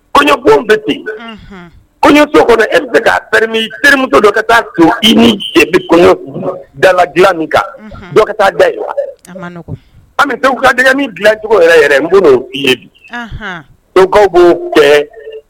Kɔɲɔbon bɛ ten kɔɲɔ to e bɛ se kamtu dɔ ka taa to i ni bɛ kɔɲɔ dalala dilan min kan dɔ ka taa dayi an bɛ todigɛ ni bilacogo yɛrɛ yɛrɛ n''o tile bi dɔwkaw b'o kɛ